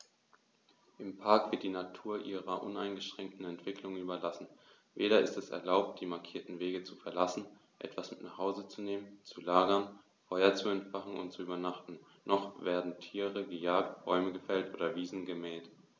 Im Park wird die Natur ihrer uneingeschränkten Entwicklung überlassen; weder ist es erlaubt, die markierten Wege zu verlassen, etwas mit nach Hause zu nehmen, zu lagern, Feuer zu entfachen und zu übernachten, noch werden Tiere gejagt, Bäume gefällt oder Wiesen gemäht.